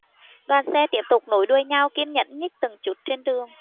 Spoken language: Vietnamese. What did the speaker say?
đoàn xe tiếp tục nối đuôi nhau kiên nhẫn nhích từng chút trên đường